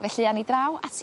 Felly awn ni draw at...